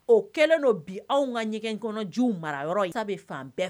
O kɛlen don bi anw ka ɲɛgɛn kɔnɔjiw marayɔrɔ ye sa kabi fan bɛɛ fɛ!